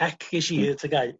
ec geshi'n tygau